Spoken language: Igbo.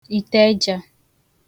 ìtè eja